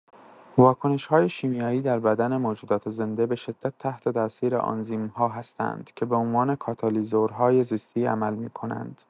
واکنش‌های شیمیایی در بدن موجودات زنده به‌شدت تحت‌تاثیر آنزیم‌ها هستند که به‌عنوان کاتالیزورهای زیستی عمل می‌کنند.